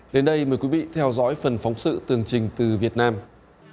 đến đây mời quý vị theo dõi phần phóng sự tường trình từ việt nam